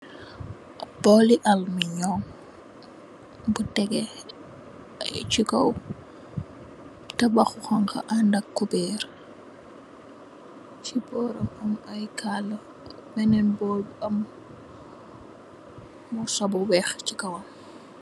Ab booli armiñong mu ngi teggé ci kow, tabax bu xoñxa and ak kubeer, ci bóoram am ay...,morso bu weex.